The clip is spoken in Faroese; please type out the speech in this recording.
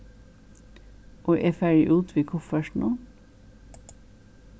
og eg fari út við kuffertinum